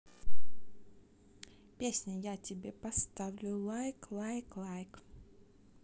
песня я тебе поставлю лайк лайк лайк